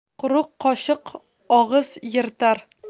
quruq qoshiq og'iz yirtar